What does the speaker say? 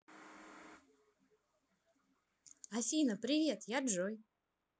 афина привет я джой